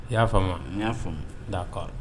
I y'a fa ma n y'a fɔ'a kɔrɔ